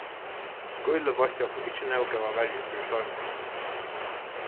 skýlið veitti okkum ikki nóg góða verju fyri storminum